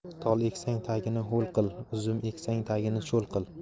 tol eksang tagini ho'l qil uzum eksang tagini cho'l qil